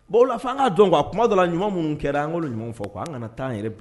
Bon ola la' an ka dɔn a kuma dɔ la ɲuman minnu kɛra an ɲumanw fɔ ko an kana taa tanan yɛrɛ bi